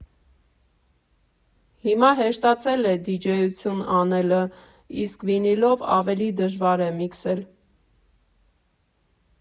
Հիմա հեշտացել է դիջեյություն անելը, իսկ վինիլով ավելի դժվար է միքսել։